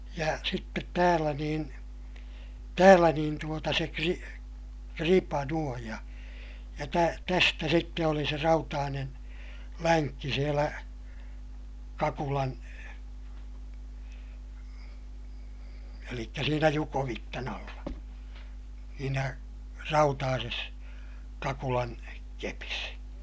ja sitten täällä niin täällä niin tuota se - kripa noin ja ja - tästä sitten oli se rautainen lenkki siellä kakulan eli siinä jukovitsan alla siinä rautaisessa kakulan kepissä